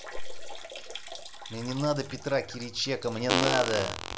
мне не надо петра киричека мне надо